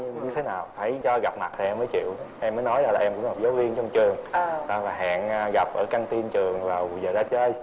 anh như thế nào phải cho em gặp mặt thì em mới chịu em ý nói thì em cũng là giáo viên trong trường và hẹn gặp ở căng tin trường vào giờ ra chơi